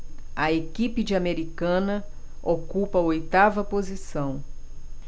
a equipe de americana ocupa a oitava posição